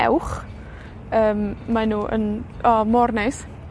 ewch, yym mae nw yn oh mor neis.